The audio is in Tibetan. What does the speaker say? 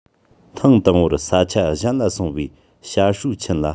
ཐེངས དང པོར ས ཆ གཞན ལ སོང བའི ཞ ཧྲུའུ ཆིན ལ